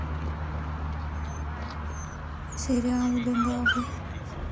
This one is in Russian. сериал легавый